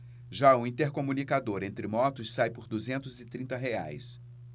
já o intercomunicador entre motos sai por duzentos e trinta reais